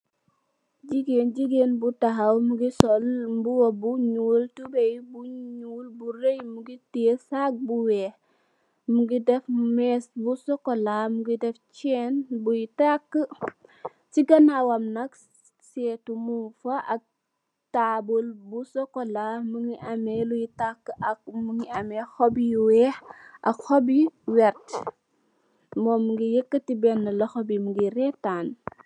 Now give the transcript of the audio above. Jigen bu taxaw mungi sol lu njul toubey bu njul bu rauye mugi teya sage bu wex mugi def mees bu socola mugi take tien buye take ci ganawam nak setou mung fa ak tabul bu socola mugi ame Liye take mugi ame zone yu wex ak xob yu wert mum mugi yakati bena loxo bi mugi retan